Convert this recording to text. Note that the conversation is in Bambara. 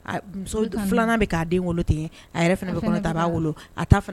B'